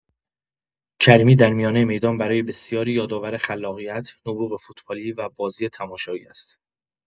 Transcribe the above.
کریمی در میانه میدان برای بسیاری یادآور خلاقیت، نبوغ فوتبالی و بازی تماشایی است.